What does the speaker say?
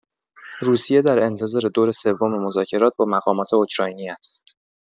روسیه در انتظار دور سوم مذاکرات با مقامات اوکراینی است.